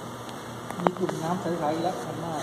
มีตุ่มน้ำใสใสและคันมาก